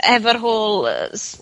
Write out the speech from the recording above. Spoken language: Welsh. ...efo'r whole yy s-